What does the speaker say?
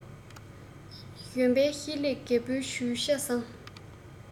གཞོན པའི ཤེད ལས རྒད པོའི ཇུས བྱ བཟང